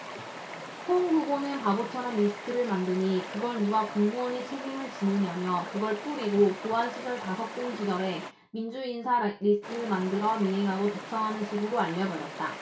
홍 후보는 바보처럼 리스트를 만드니 그걸 누가 공무원이 책임을 지느냐며 그걸 뿌리고 보안시절 다섯 공시절에 민주인사 리스트를 만들어 미행하고 도청하는 식으로 알려 버렸다